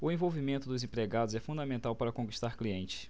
o envolvimento dos empregados é fundamental para conquistar clientes